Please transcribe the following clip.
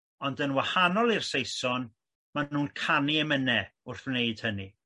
ond yn wahanol i'r Saeson ma' n'w'n canu emyne wrth wneud hynny.